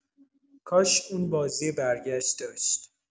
کاش اون بازی برگشت داشت